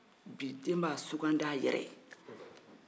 bi den b'a sugati a yɛrɛ ye